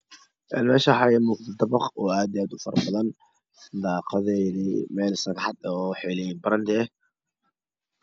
Een meeshaan waxaa iimuuqdo dabaq oo aad iyo aad u fara badan daaqaday leeyi Meel sakxad oo waxay leeyihiin barando eh